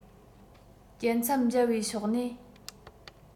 སྐྱིན ཚབ འཇལ བའི ཕྱོགས ནས